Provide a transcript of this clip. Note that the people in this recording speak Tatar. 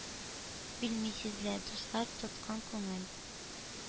Белмисез лә, дуслар, тоткын күңел,